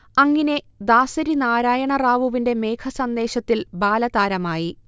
അങ്ങിനെ ദാസരി നാരായണ റാവുവിന്റെ മേഘസന്ദേശത്തിൽ ബാലതാരമായി